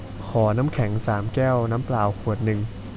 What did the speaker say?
ขอน้ำแข็งสามแก้วน้ำเปล่าขวดหนึ่ง